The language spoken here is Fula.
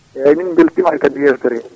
eyyi min beltima kadi e yewtere he